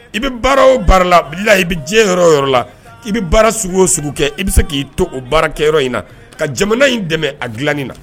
I bɛ baara o la i bɛ diɲɛ yɔrɔ o yɔrɔ la i bɛ baara o sugu kɛ i bɛ se k'i to o baara kɛ yɔrɔ in na ka jamana in dɛmɛ a dilanin na